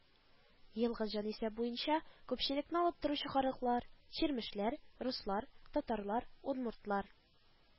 Елгы җанисәп буенча күпчелекне алып торучы халыклар: чирмешләр , руслар, татарлар , удмуртлар